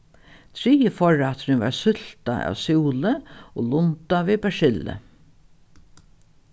triði forrætturin var súlta av súlu og lunda við persillu